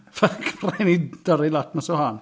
Fuck, rhaid ni dorri lot mas o hon.